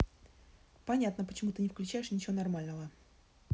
понятно почему ты не включаешь ничего нормального